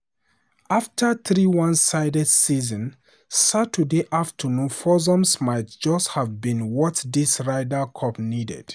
After three one-sided sessions, Saturday afternoon's foursomes might just have been what this Ryder Cup needed.